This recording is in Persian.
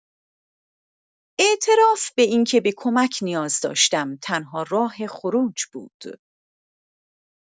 اعتراف به اینکه به کمک نیاز داشتم، تنها راه خروج بود.